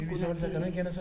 I bɛ san kɛnɛ san